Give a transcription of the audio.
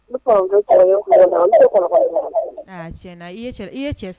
Ne kɔrɔmuso cɛ bi kalaban koro. Ne tu kalaban koro. Aa tiɲɛ na i ye cɛ sɔrɔ